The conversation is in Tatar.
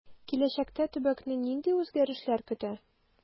Киләчәктә төбәкне нинди үзгәрешләр көтә?